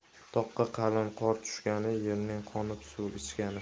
toqqa qalin qor tushgani yerning qonib suv ichgani